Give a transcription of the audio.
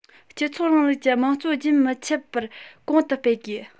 སྤྱི ཚོགས རིང ལུགས ཀྱི དམངས གཙོ རྒྱུན མི འཆད པར གོང དུ སྤེལ དགོས